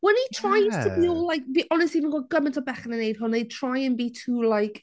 When he tries to be all like... honestly fi'n gweld gymaint o bechgyn yn wneud hwn, they try and be too like...